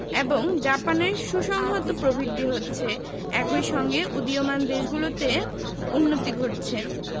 এবং জাপানের সুসংহত প্রবৃদ্ধি হচ্ছে একই সঙ্গে উদীয়মান দেশগুলোতে উন্নতি ঘটছে